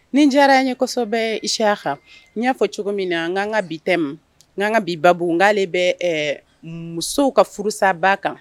Nin diyara ɲɛsɔ kosɛbɛ siya kan n y'a fɔ cogo min na an'an ka bi tɛ ma n' ka bi babugu k'ale bɛ musow ka furusaba kan